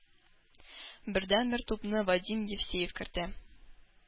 Бердәнбер тупны Вадим Евсеев кертә,